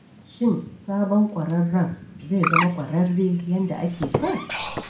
Shin sabon ƙwararren zai zama ƙwararre yadda ake so?